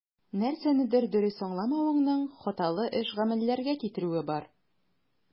Нәрсәнедер дөрес аңламавыңның хаталы эш-гамәлләргә китерүе бар.